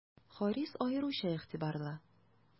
Харис аеруча игътибарлы.